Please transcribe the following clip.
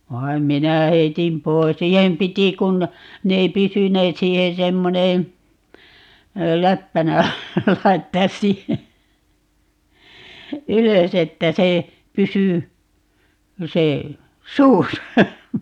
vaan minä heitin pois siihen piti kun ne ei pysyneet siihen semmoinen läppänä laittaa siihen ylös että se pysyi se suussa